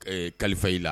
Kalifa i la